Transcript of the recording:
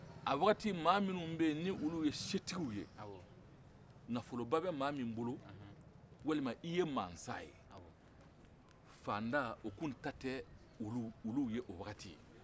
a waati maa minnun bɛ ye nin olu ye setigiw ye nafoloba bɛ maa min bolo walima i ye masa ye fantan o tun taa tɛ olu ye o waati